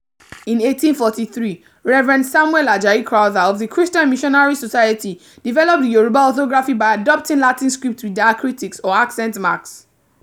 In 1843, Reverend Samuel Àjàyí Crowther of the Christian Missionary Society developed the Yorùbá orthography by adopting Latin script with diacritics — or accent marks.